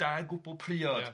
Da gwbl priod... Ia.